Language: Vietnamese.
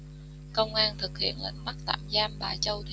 công an thực hiện lệnh bắt tạm giam bà châu